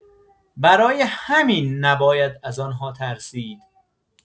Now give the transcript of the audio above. برای همین نباید از آنها ترسید.